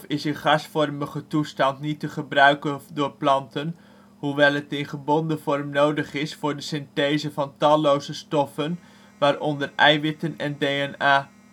is in gasvormige toestand niet te gebruiken door planten, hoewel het in gebonden vorm nodig is voor de synthese van talloze stoffen waaronder eiwitten en DNA